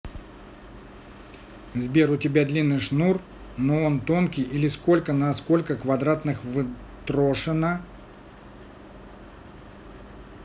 сбер у тебя длинный шнур но он тонкий или сколько на сколько квадратных в трошина